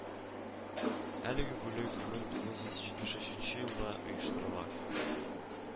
Әлеге бүлек мең тугыз йөз җитмеш өченче елда оештырыла